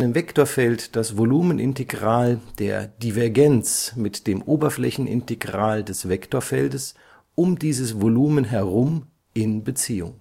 Vektorfeld das Volumenintegral der Divergenz (Ableitungsvektor angewandt auf das Vektorfeld) mit dem Oberflächenintegral des Vektorfeldes um dieses Volumen herum in Beziehung